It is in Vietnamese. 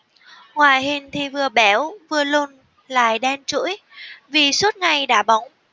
ngoại hình thì vừa béo vừa lùn lại đen trũi vì suốt ngày đá bóng